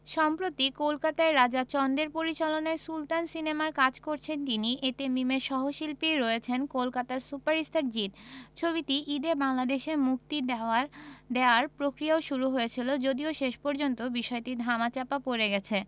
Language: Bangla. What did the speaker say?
সম্প্রতি কলকাতায় রাজা চন্দের পরিচালনায় সুলতান সিনেমার কাজ করেছেন তিনি এতে মিমের সহশিল্পী রয়েছেন কলকাতার সুপারস্টার জিৎ ছবিটি ঈদে বাংলাদেশে মুক্তি দেয়াল দেয়ার প্রক্রিয়াও শুরু হয়েছিল যদিও শেষ পর্যন্ত বিষয়টি ধামাচাপা পড়ে গেছে